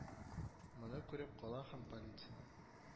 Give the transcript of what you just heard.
Моны күреп кала һәм полиция